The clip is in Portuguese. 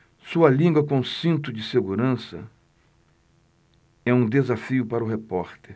sua língua com cinto de segurança é um desafio para o repórter